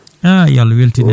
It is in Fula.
an yo Allah weltin en